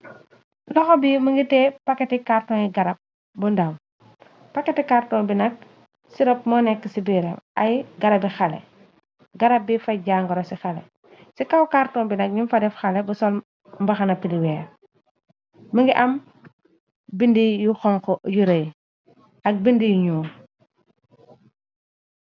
Loxa bi mungi tei paketi karton yi garab bu ndaw. Paketi karton bi nak, si rop moo nekk ci diire ay garabi xale , garab bi faj jangoro ci xale, ci kaw kàrton bi nag muñ fa def xale bu sol mbaxana piriweer, mungi am bindi yu xonx yu rëy ak bind yu ñuu.